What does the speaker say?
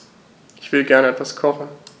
Ich will gerne etwas kochen.